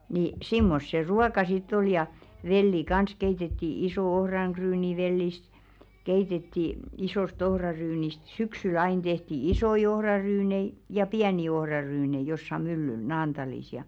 niin semmoista se ruoka sitten oli ja velliä kanssa keitettiin iso ohraryynivellistä keitettiin isoista ohraryyneistä syksyllä aina tehtiin isoja ohraryynejä ja pieniä ohraryynejä jossakin myllyllä Naantalissa ja